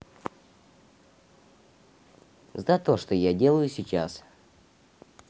зато то что я делаю сейчас